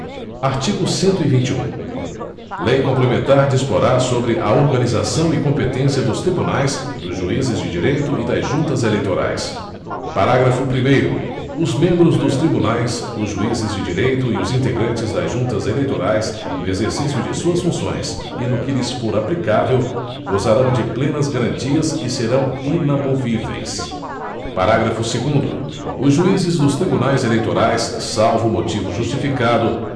artigo cento e vinte e um lei complementar disporá sobre a organização e competência dos tribunais dos juízes de direito e das juntas eleitorais parágrafo primeiro os membros dos tribunais os juízes de direito e os integrantes das juntas eleitorais no exercício de suas funções e no que lhes for aplicável gozarão de plenas garantias e serão inamovíveis parágrafo segundo os juízes dos tribunais eleitorais salvo motivo justificado